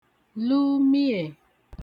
lụ miè